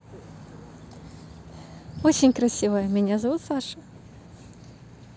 очень красивая меня зовут саша